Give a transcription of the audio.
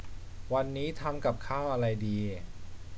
วันนี้ทำกับข้าวอะไรดี